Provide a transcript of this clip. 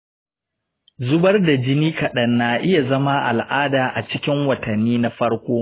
zubar jini kaɗan na iya zama al’ada a cikin watanni na farko.